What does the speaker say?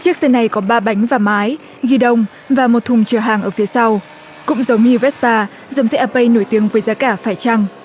chiếc xe này có ba bánh và mái ghi đông và một thùng chở hàng ở phía sau cũng giống vét pha dòng xe a phây cũng nổi tiếng với giá cả phải chăng